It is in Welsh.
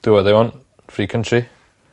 Do what they want. Free country.